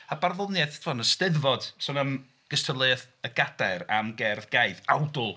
A barddoniaeth, timod yn y 'Steddfod sôn am gystadleuaeth y Gadair am gerdd gaeth, awdl.